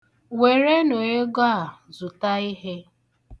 Werenụ ego a zụta ihe.